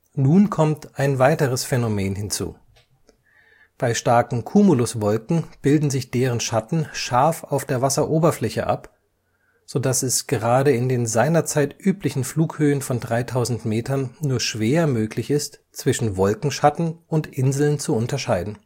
Nun kommt ein weiteres Phänomen hinzu: Bei starken Cumuluswolken bilden sich deren Schatten scharf auf der Wasseroberfläche ab, so dass es gerade in den seinerzeit üblichen Flughöhen von 3.000 Metern nur schwer möglich ist, zwischen Wolkenschatten und Inseln zu unterscheiden